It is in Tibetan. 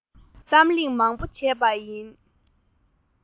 གཏམ གླེང མང པོ བྱས པ ཡིན